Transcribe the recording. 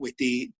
wedi